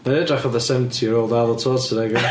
Mae'n edrych fatha seventy year old Arnold Schwarzenegger.